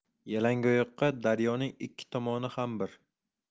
yalangoyoqqa daryoning ikki tomoni ham bir